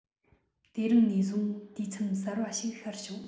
དེ རིང ནས བཟུང དུས མཚམས གསར པ ཞིག ཤར བྱུང